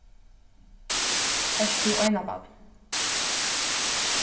ert tú einabarn